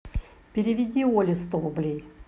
переведи оле сто рублей